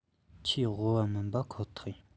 ཆེས དབུལ བ མིན པ ཁོ ཐག ཡིན